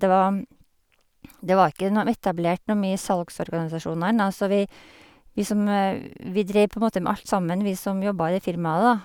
det var Det var ikke nåm etablert noe mye salgsorganisasjoner enda, så vi vi som vi dreiv på en måte med alt sammen, vi som jobba i det firmaet, da.